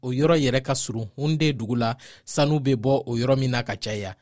o yɔrɔ yɛrɛ ka surun hunde dugu de la sanu be bɔ o yɔrɔ min na ka caya